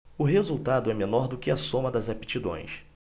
o resultado é menor do que a soma das aptidões